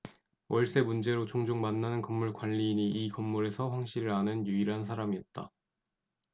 월세 문제로 종종 만나는 건물 관리인이 이 건물에서 황씨를 아는 유일한 사람이었다